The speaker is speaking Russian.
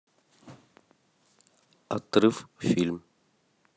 отрыв фильм